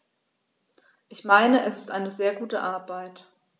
Ich meine, es ist eine sehr gute Arbeit.